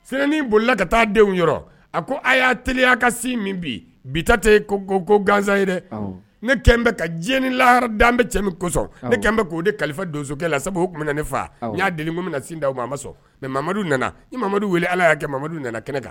Senin bolila ka taa denw a ko a y'a teliya ka sin min bi bi tɛ ko gansan ye dɛ ne ka diɲɛ ni laha da bɛ cɛ kosɔn ne bɛ k'o kalifa donso la sabu bɛ na ne faa n'a deli na sin da o ma ma sɔn mɛmadu nana mamadu wili ala y'a kɛ mamadu nana kɛnɛ kan